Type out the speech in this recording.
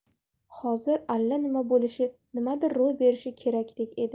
hozir alla nima bo'lishi nimadir ro'y berishi kerakdek edi